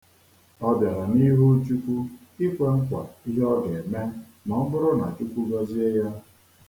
Ọ bịara n'ihu Chukwu ịkwe nkwa ihe ọ ga-eme ma ọ bụrụ na Chukwu gọzie ya.